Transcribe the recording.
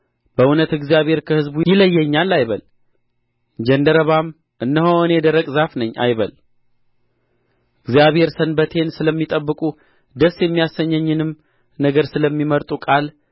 በእውነት እግዚአብሔር ከሕዝቡ ይለየኛል አይበል ጃንደረባም እነሆ እኔ ደረቅ ዛፍ ነኝ አይበል እግዚአብሔር ሰንበቴን ስለሚጠብቁ ደስ የሚያሰኘኝንም ነገር ስለሚመርጡ ቃል